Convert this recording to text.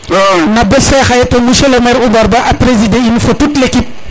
no bes fe xaye to monsieur le maire omar Ba a presider in fo toute l' équipe